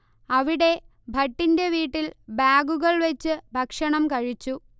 അവിടെ ഭട്ടിന്റെ വീട്ടിൽ ബാഗുകൾ വെയ്ച്ചു ഭക്ഷണം കഴിച്ചു